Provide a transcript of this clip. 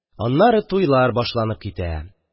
Аннары туйлар башланып китә